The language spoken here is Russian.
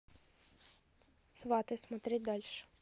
сваты смотреть дальше